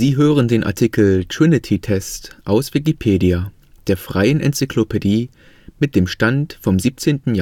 hören den Artikel Trinity-Test, aus Wikipedia, der freien Enzyklopädie. Mit dem Stand vom Der